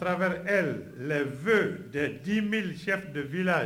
Sarame e di mi de vla